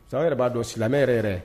Sa an yɛrɛ b'a dɔn silamɛ yɛrɛ yɛrɛ